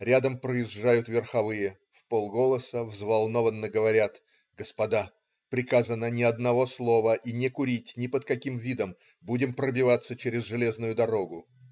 Рядом проезжают верховые - вполголоса, взволнованно говорят: "Господа, приказано - ни одного слова и не курить ни под каким видом - будем пробиваться через железную дорогу".